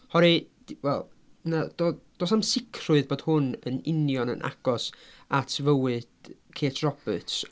oherwydd d- wel na do- does na'm sicrwydd bod hwn yn union yn agos at fywyd Kate Roberts.